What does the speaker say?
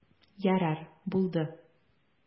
Ярар, булды.